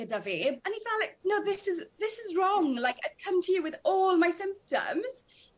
gyda fi o'n i fel li... No this is this is wrong li... I come to you with all my symptoms